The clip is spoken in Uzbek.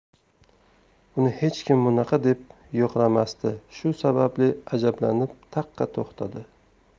uni hech kim bunaqa deb yo'qlamasdi shu sababli ajablanib taqqa to'xtadi